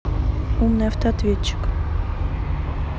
умный автоответчик